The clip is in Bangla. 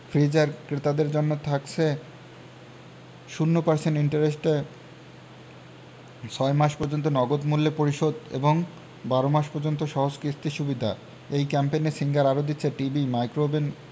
ফ্রিজার ক্রেতাদের জন্য থাকছে ০% ইন্টারেস্টে ৬ মাস পর্যন্ত নগদ মূল্য পরিশোধ এবং ১২ মাস পর্যন্ত সহজ কিস্তি সুবিধা এই ক্যাম্পেইনে সিঙ্গার আরো দিচ্ছে টিভি মাইক্রোওভেন